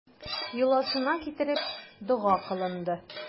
Йоласына китереп, дога кылынды.